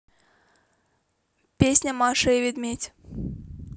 песня маша и медведь